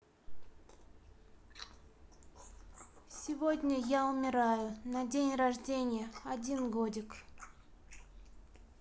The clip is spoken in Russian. сегодня я умираю на день рождения один годик